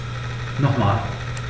Nochmal.